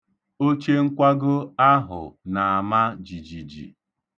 Ochenkwago ahụ na-ama jijiji.